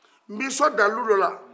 n bɛ i sɔn dalilu dɔ la